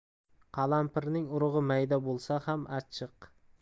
qalampirning urug'i mayda bo'lsa ham achchiq